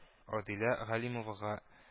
Адилә Галимовага